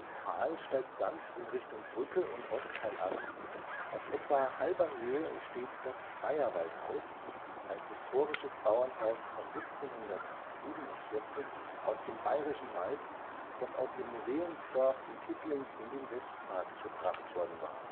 Tal steigt sanft in Richtung Brücke und Ostteil an, auf etwa halber Höhe steht das Bayerwaldhaus, ein historisches Bauernhaus von 1747 aus dem Bayerischen Wald, das aus dem Museumsdorf in Tittling in den Westpark gebracht worden war